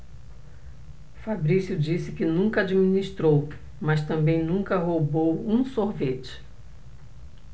fabrício disse que nunca administrou mas também nunca roubou um sorvete